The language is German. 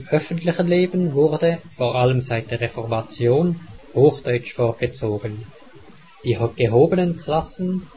öffentlichen Leben wurde, vor allem seit der Reformation, Hochdeutsch vorgezogen. Die gehobenen Klassen